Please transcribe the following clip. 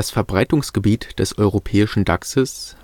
Verbreitungsgebiet des Europäischen Dachses